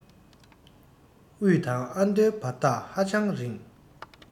དབུས དང ཨ མདོའི བར ཐག ཧ ཅང རིང